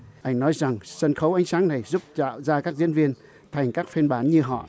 anh nói rằng sân khấu ánh sáng này giúp ra các diễn viên thành các phiên bản như họ